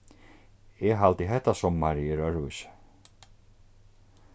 eg haldi hetta summarið er øðrvísi